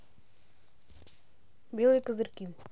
белые козырьки